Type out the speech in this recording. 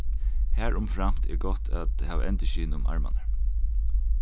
harumframt er gott at hava endurskin um armarnar